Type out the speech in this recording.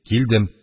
Килдем.